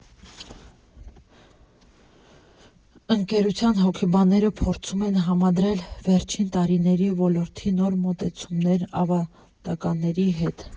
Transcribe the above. Ընկերության հոգեբանները փորձում են համադրել վերջին տարիների ոլորտի նոր մոտեցումներն ավանդականների հետ։